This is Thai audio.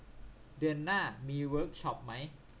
เดือนหน้ามีเวิคช็อปมั้ย